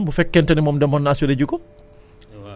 tay jii bu fi ab Diallo Diallo jaaree